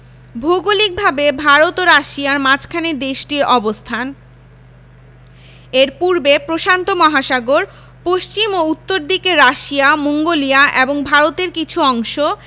ভৌগলিকভাবে ভারত ও রাশিয়ার মাঝখানে দেশটির অবস্থান এর পূর্বে প্রশান্ত মহাসাগর পশ্চিম ও উত্তর দিকে রাশিয়া মঙ্গোলিয়া এবং ভারতের কিছু অংশ